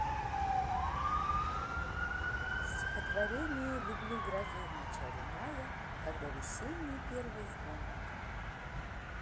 стихотворение люблю грозу в начале мая когда весенний первый звон